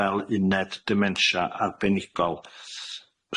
fel uned dimensia arbenigol.